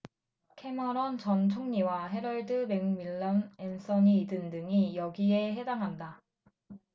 캐머런 전 총리와 해럴드 맥밀런 앤서니 이든 등이 여기에 해당한다